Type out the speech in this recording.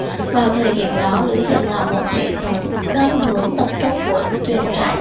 vào thời điểm đó lưới điện là một hệ thống đơn hướng tập trung của truyền tải